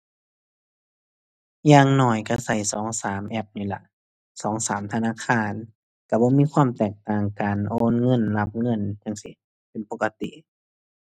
อย่างน้อยก็ก็สองสามแอปนี่ล่ะ สองสามธนาคาร ก็บ่มีความแตกต่างกัน โอนเงินรับเงินจั่งซี้ เป็นปกติ